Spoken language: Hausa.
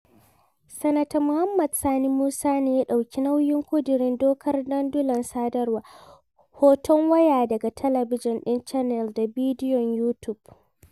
Sanata Mohammed Sani Musa ne ya ɗauki nauyin ƙudurin dokar dandulan sadarwa. Hoton waya daga Talabijin ɗin Channel da bidiyon Youtube.